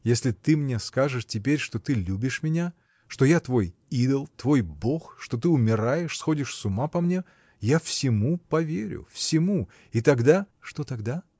Если ты мне скажешь теперь, что ты любишь меня, что я твой идол, твой бог, что ты умираешь, сходишь с ума по мне, — я всему поверю, всему — и тогда. — Что тогда?